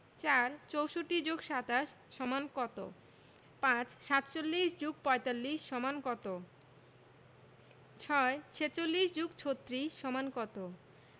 ৪ ৬৪ + ২৭ = কত ৫ ৪৭ + ৪৫ = কত ৬ ৪৬ + ৩৬ = কত